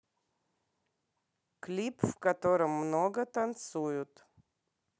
клип в котором много танцуют